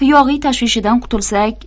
yog'iy tashvishidan qutulsak